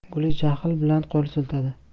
guli jahl bilan qo'l siltadi